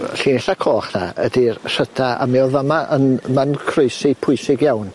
Yy llinella coch 'na ydi'r rhyda a mi o'dd yma yn ma'n croesi pwysig iawn.